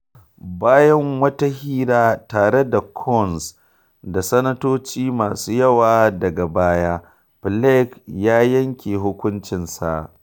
Bayan wata hira tare da Coons da sanatoci masu yawa daga baya, Flake ya yanke hukuncinsa.